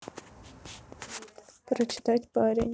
прочитать парень